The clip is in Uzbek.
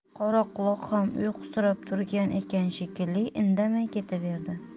qoraquloq ham uyqusirab turgan ekan shekilli indamay ketaverdi